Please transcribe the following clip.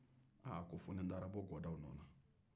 a ko fo ni n taara bɔ gadaw nɔ na